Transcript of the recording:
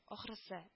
Ахрысы